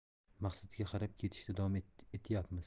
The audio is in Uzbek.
maqsadga qarab ketishda davom etyapmiz